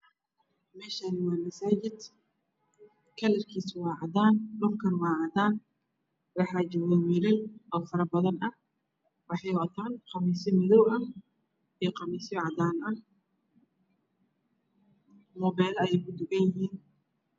Meeshaan waa masaajid kalarkiisu waa cadaan dhulkuna waa cadaan. Waxaa joogo wiilal oo faro badan waxay wataan qamiisyo madow ah iyo qamiisyo cadaan ah. Muubeelo ayay kutukan yihiin.